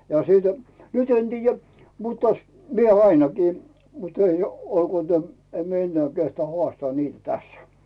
ja silti nyt en tiedä mutta - minä ainakin mutta ei olkoon tämä en minä enää kehtaa haastaa niitä tässä